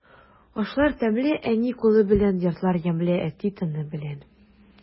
Ашлар тәмле әни кулы белән, йортлар ямьле әти тыны белән.